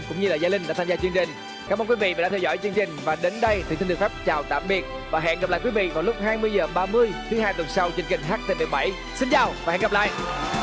cũng như là gia linh đã tham gia chương trình cám ơn quý vị vì đã theo dõi chương trình và đến đây thì xin được phép chào tạm biệt và hẹn gặp lại quý vị vào lúc hai mươi giờ ba mươi thứ hai tuần sau trên kênh hát tê vê bẩy xin chào và hẹn gặp lại